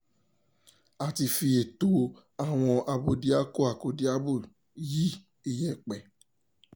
A ti fi ẹ̀tọ́ àwọn abódiakọ-akọ́diabo yí iyẹ̀pẹ̀.